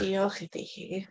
Diolch iddi hi.